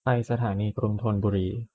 ไปสถานีกรุงธนบุรี